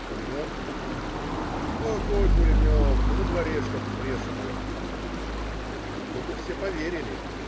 пулемет?" - "Какой пулемет - на дворе что-то треснуло". На минуту все поверили.